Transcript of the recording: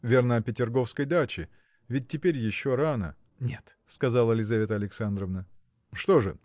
Верно, о петергофской даче: ведь теперь еще рано. – Нет! – сказала Лизавета Александровна. – Что же?